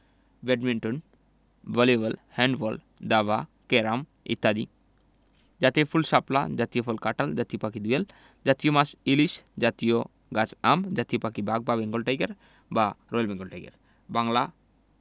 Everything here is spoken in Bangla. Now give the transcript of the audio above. ব্যাডমিন্টন ভলিবল হ্যান্ডবল দাবা ক্যারম ইত্যাদি জাতীয় ফুলঃ শাপলা জাতীয় ফলঃ কাঁঠাল জাতীয় পাখিঃ দোয়েল জাতীয় মাছঃ ইলিশ জাতীয় গাছঃ আম জাতীয় প্রাণীঃ বাঘ বা বেঙ্গল টাইগার বা রয়েল বেঙ্গল টাইগার বাংলা